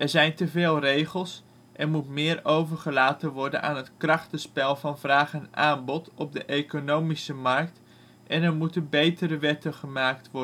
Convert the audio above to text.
zijn te veel regels, er moet meer overgelaten worden aan het krachtenspel van vraag en aanbod op de economische markt en er moeten betere wetten gemaakt